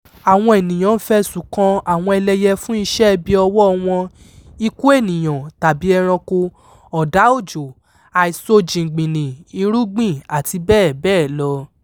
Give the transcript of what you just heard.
Àwọn ènìyàn ń f'ẹ̀sùn kan àwọn ẹlẹyẹ fún iṣẹ́-ibi ọwọ́ọ wọn: ikú ènìyàn tàbí ẹranko, ọ̀dá òjò, àìso jìngbìnnì irúgbìn, àti bẹ́èbẹ́è lọ.